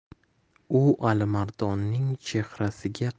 u alimardonning chehrasiga